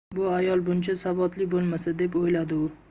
bu ayol buncha sabotli bo'lmasa deb o'yladi u